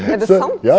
er det sant?